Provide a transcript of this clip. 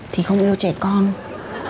thì không yêu trẻ con